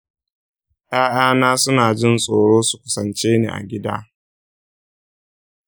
‘ya’yana suna jin tsoro su kusance ni a gida.